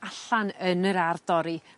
allan yn yr ardd dorri